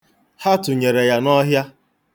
Ha tụnyere ya n'ọhịa.